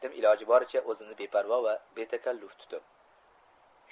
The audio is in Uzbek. dedim iloji boricha o'zimni beparvo va betakalluf tutib